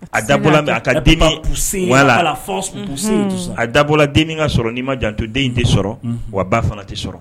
A dabɔ a ka den ala a dabɔla den ka sɔrɔ ni'i ma janto den tɛ sɔrɔ wa ba fana tɛ sɔrɔ